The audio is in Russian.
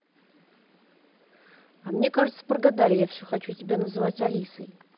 а мне кажется прогадали я все хочу тебя называть алисой